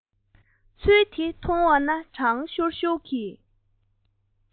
ཚུལ འདི མཐོང བ ན གྲང ཤུར ཤུར གྱི